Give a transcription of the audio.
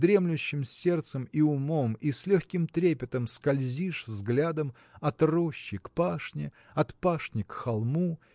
с дремлющим сердцем и умом и с легким трепетом скользишь взглядом от рощи к пашне от пашни к холму